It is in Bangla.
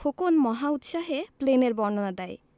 খোকন মহা উৎসাহে প্লেনের বর্ণনা দেয়